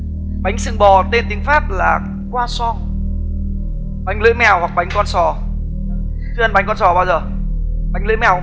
bánh sừng bò tên tiếng pháp là boa xong bánh lưỡi mèo hoặc bánh con sò chưa ăn bánh con sò bao giờ bánh lưỡi mèo